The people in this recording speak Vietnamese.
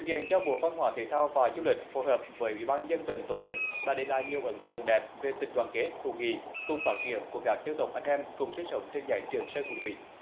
kiện do bộ văn hóa thể thao và du lịch phù hợp với ủy ban dân tình tổ chức đã để lại nhiều ấn tượng đẹp về tình đoàn kết hữu nghị cùng phát triển của các dân tộc anh em cùng sinh sống trên dãy trường sơn hùng vĩ